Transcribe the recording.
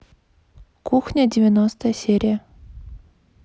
кухня девяностая серия